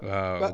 waawaaw